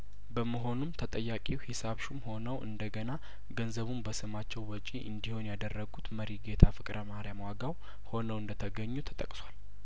በመሆኑም ተጠያቂው ሂሳብ ሹም ሆነው እንደገና ገንዘቡን በስማቸው ወጪ እንዲሆን ያደረጉት መሪጌታ ፍቅረማርያም ዋጋው ሆነው እንደተገኙ ተጠቅሷል